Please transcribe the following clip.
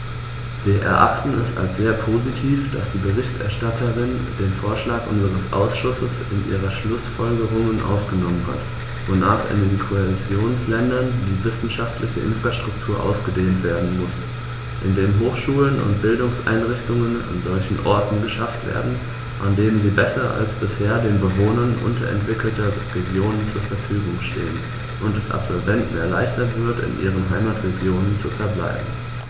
Wir erachten es als sehr positiv, dass die Berichterstatterin den Vorschlag unseres Ausschusses in ihre Schlußfolgerungen aufgenommen hat, wonach in den Kohäsionsländern die wissenschaftliche Infrastruktur ausgedehnt werden muss, indem Hochschulen und Bildungseinrichtungen an solchen Orten geschaffen werden, an denen sie besser als bisher den Bewohnern unterentwickelter Regionen zur Verfügung stehen, und es Absolventen erleichtert wird, in ihren Heimatregionen zu verbleiben.